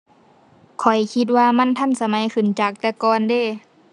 ข้อยคิดว่ามันทันสมัยขึ้นจากแต่ก่อนเดะ